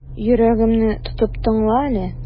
Йөрәгемне тотып тыңла әле.